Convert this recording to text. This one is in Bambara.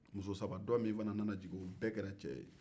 muso saba dɔ min fana nana jigin o bɛɛ kɛra cɛ ye